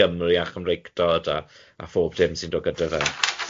Gymru a Chymreictod a a phob dim sy'n dod gyda fe.